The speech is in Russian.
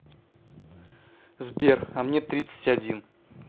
сбер а мне тридцать один